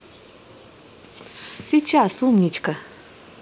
сейчас умничка